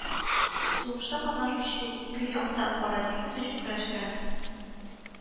Сугышта катнашучы ике як та Кара Диңгез өчен көрәшкән